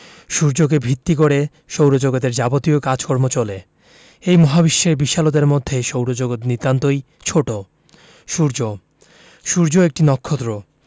সূর্যকে ভিত্তি করে সৌরজগতের যাবতীয় কাজকর্ম চলে এই মহাবিশ্বের বিশালতার মধ্যে সৌরজগৎ নিতান্তই ছোট সূর্য সূর্য একটি নক্ষত্র